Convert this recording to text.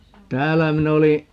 täällä minä olin